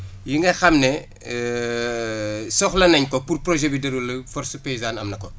yi nga xam ne soxla nañ ko pour projet bi déroulé wu force paysane am na ko